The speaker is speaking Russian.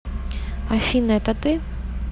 афина это ты